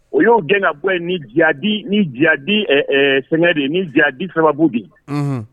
O y'o gɛn ka bɔ ye sɛnɛ de ye ni jadi sababubu de ye